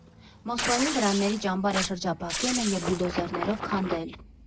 Մոսկվայում վրանների ճամբարը շրջափակել են և բուլդոզերներով քանդել։